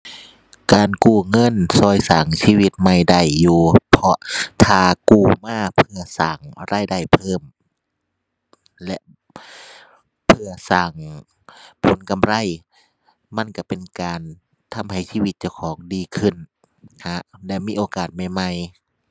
การกู้เงินช่วยสร้างชีวิตใหม่ได้อยู่เพราะถ้ากู้มาเพื่อสร้างรายได้เพิ่ม และ เพื่อสร้างผลกำไรมันช่วยเป็นการทำให้ชีวิตเจ้าของดีขึ้น หา ได้มีโอกาสใหม่ใหม่